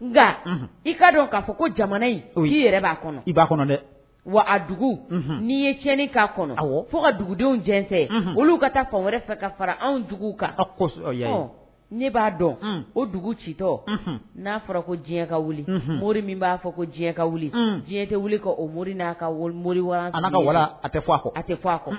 nka i ka dɔn k'a fɔ ko jamana in o y'i yɛrɛ b'a kɔnɔ i b'a kɔnɔ dɛ wa a dugu n' ye tiɲɛnani k'a kɔnɔ a fo ka dugudenw jɛsɛn olu ka taa fan wɛrɛ fɛ ka fara anwjugu kan ne b'a dɔn o dugu citɔ n'a fɔra ko diɲɛka wuli mori min b'a fɔ ko diɲɛka wuli diɲɛ tɛ wuli ka o mori n'a ka moriwa ka tɛ a tɛ a